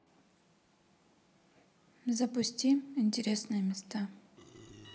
запусти интересные места